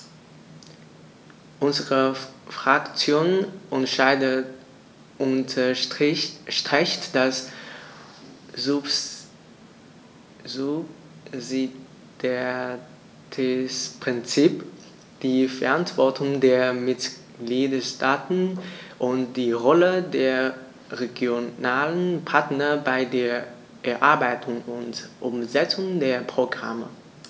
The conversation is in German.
Unsere Fraktion unterstreicht das Subsidiaritätsprinzip, die Verantwortung der Mitgliedstaaten und die Rolle der regionalen Partner bei der Erarbeitung und Umsetzung der Programme.